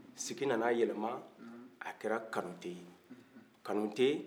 sigi na na a yɛlɛma a kɛra kanute ye kanute